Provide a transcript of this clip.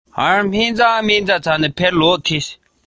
མཇུག རྫོགས སོང བ དང